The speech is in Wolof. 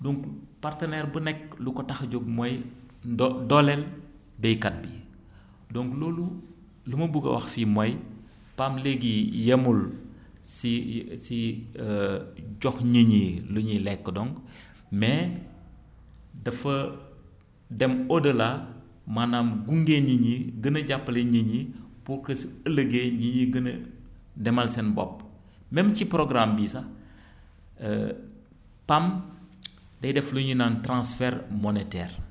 donc partenaire bu nekk lu ko tax a jóg mooy ndo dooleel baykat bi donc loolu lu ma bëgg a wax fii mooy PAM léegi yemul si si jox nit ñi lu ñuy lekk dong mais dafa dem au delà maanaam gunge nit ñi gën a jàppale nit ñi pour que su ëllëgee nit ñi gën a demal seen bopp même ci programme bii sax PAM day def lu ñuy naan transfert monetaire